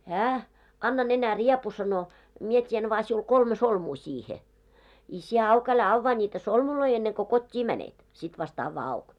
hän anna nenäriepu sanoi minä teen vain sinulle kolme solmua siihen i sinä auki älä avaa niitä solmuja ennen kuin kotiin menet sitten vasta avaa auki